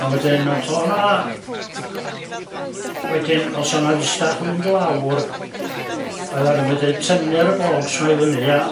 A wedyn o- todd 'na... wedyn os o'dd 'na fusach yn mynd lawr oedd a n'w'n medru tynnu'r baulks 'ma i fyny ia?